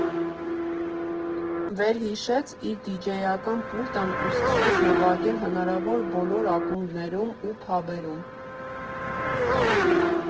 Վերհիշեց իր դիջեյական պուլտն ու սկսեց նվագել հնարավոր բոլոր ակումբներում ու փաբերում։